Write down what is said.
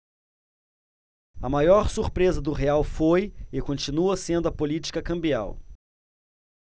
a maior surpresa do real foi e continua sendo a política cambial